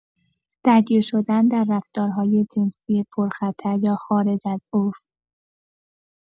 درگیر‌شدن در رفتارهای جنسی پرخطر یا خارج از عرف